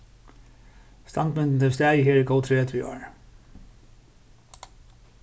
standmyndin hevur staðið her í góð tretivu ár